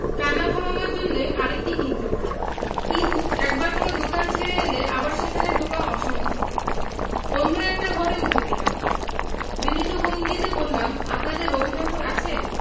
কান্না থামাবার জন্যে আরেকটি কিনতে হয় কিন্তু একবার কোন দোকান ছেড়ে এলে আবার সেখানে ঢোকা অসম্ভব অন্য একটা ঘরে উকি দিলাম বিনীত ভঙ্গিতে বললাম আপনাদের রবিঠাকুর আছে